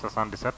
77